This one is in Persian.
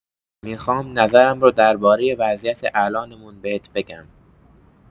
می‌خوام نظرم رو درباره وضعیت الانمون بهت بگم.